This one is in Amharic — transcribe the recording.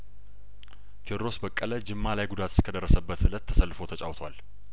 ቴዎድሮስ በቀለ ጅማ ላይ ጉዳት እስከደረሰበት እለት ተሰልፎ ተጫውቷል